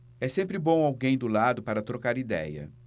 é sempre bom alguém do lado para trocar idéia